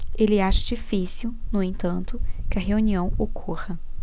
ele acha difícil no entanto que a reunião ocorra